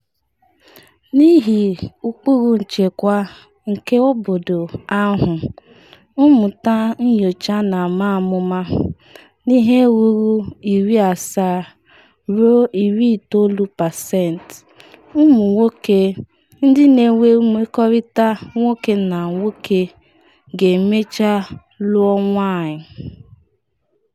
N’ihi ụkpụrụ nchekwa nke obodo ahụ, mmụta nyocha na-ama amụma n’ihe ruru 70-90% ụmụ nwoke ndị na-enwe mmekọrịta nwoke na nwoke ga-emecha lụọ nwanyị.